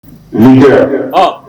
, aa!